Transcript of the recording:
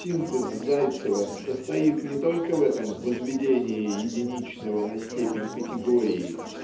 синтез Зайцева состоит не только в этом возведении единичного на степень категории